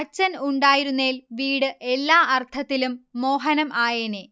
അച്ഛൻ ഉണ്ടായിരുന്നേൽ വീട് എല്ലാ അർത്ഥത്തിലും മോഹനം ആയേനേ